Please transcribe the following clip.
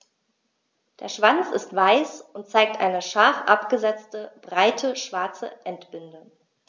Der Schwanz ist weiß und zeigt eine scharf abgesetzte, breite schwarze Endbinde.